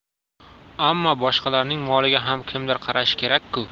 ammo boshqalarning moliga ham kimdir qarashi kerak ku